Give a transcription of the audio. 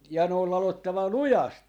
ja ne on ladottava lujasti